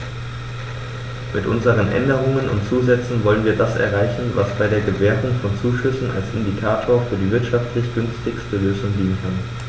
Mit unseren Änderungen und Zusätzen wollen wir das erreichen, was bei der Gewährung von Zuschüssen als Indikator für die wirtschaftlich günstigste Lösung dienen kann.